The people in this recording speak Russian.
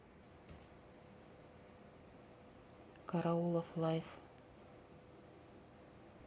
караулов лайф